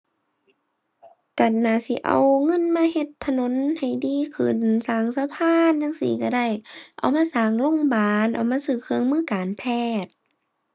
ก็น่าสิเอาเงินมาเฮ็ดถนนให้ดีขึ้น สร้างสะพานจั่งซี้ก็ได้ เอามาสร้างโรงบาล เอามาซื้อเครื่องมือการแพทย์